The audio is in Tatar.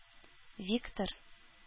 Виктор